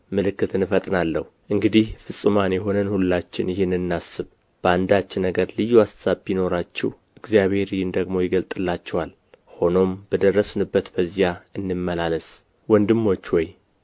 ምልክትን እፈጥናለሁ እንግዲህ ፍጹማን የሆንን ሁላችን ይህን እናስብ በአንዳች ነገርም ልዩ አሳብ ቢኖራችሁ እግዚአብሔር ይህን ደግሞ ይገልጥላችኋል ሆኖም በደረስንበት በዚያ እንመላለስ ወንድሞች ሆይ